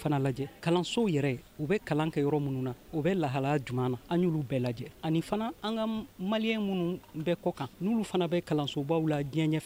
U fana lajɛ kalansow yɛrɛ u bɛ kalan kɛ yɔrɔ minnu na u bɛ lahala jumɛn an'olu bɛɛ lajɛ ani fana an ka maliy minnu bɛɛ kɔ kan n'olu fana bɛ kalansobaa la diɲɛfɛ